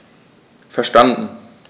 Verstanden.